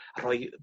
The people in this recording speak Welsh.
a rhoi